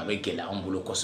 A bɛ gɛlɛya anw bolo kosɛbɛ.